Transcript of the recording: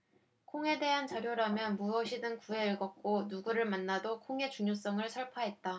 콩에 대한 자료라면 무엇이든 구해 읽었고 누구를 만나도 콩의 중요성을 설파했다